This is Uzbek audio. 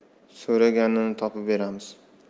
so'raganini topib beramiz